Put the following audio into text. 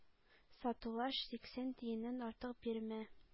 Сатулаш, сиксән тиеннән артык бирмә.